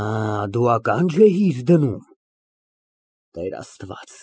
Ա, դու ակա՞նջ էիր դնում։